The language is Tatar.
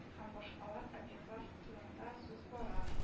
Һәм башка объектлар турында сүз бара